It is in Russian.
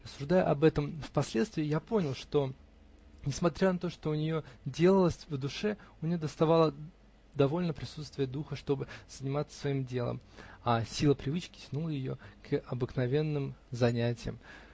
Рассуждая об этом впоследствии, я понял, что, несмотря на то, что у нее делалось в душе, у нее доставало довольно присутствия духа, чтобы заниматься своим делом, а сила привычки тянула ее к обыкновенным занятиям.